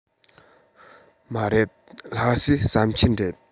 མ རེད ལྷ སའི ཟམ ཆེན རེད